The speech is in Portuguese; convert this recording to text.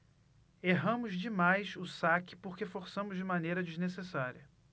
erramos demais o saque porque forçamos de maneira desnecessária